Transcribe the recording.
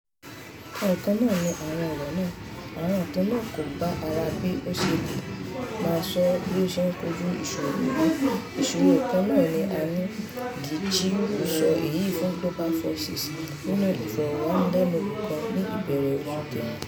Nǹkan kan náà ni àwọn ọ̀rọ̀ náà, àwọn ìtàn náà kò bá dára bí a bá lè máa sọ bí a ṣe ń kojú ìṣòro yìí; ìṣòro kan náà ni a ní,” Gicheru sọ èyí fún Global Voices nínú Ìfọ̀rọ̀wánilẹ́nuwò kan ní ìbẹ̀rẹ̀ oṣù kẹrin.